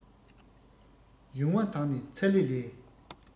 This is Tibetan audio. ཡུང བ དང ནི ཚ ལེ ལས